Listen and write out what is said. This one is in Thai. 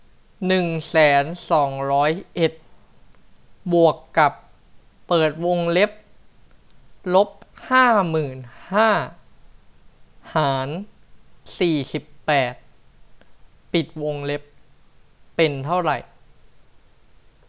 หนึ่งแสนสองร้อยเอ็ดบวกกับเปิดวงเล็บลบห้าหมื่นห้าหารสี่สิบแปดปิดวงเล็บเป็นเท่าไร